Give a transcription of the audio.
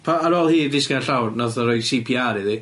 ha- ar ôl hi disgyn i'r llawr nath o roi See Pee Are iddi.